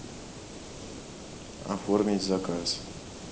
оформить заказ